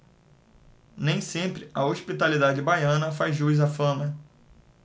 nem sempre a hospitalidade baiana faz jus à fama